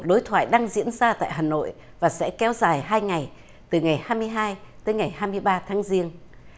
đối thoại đang diễn ra tại hà nội và sẽ kéo dài hai ngày từ ngày hai mươi hai tới ngày hai mươi ba tháng giêng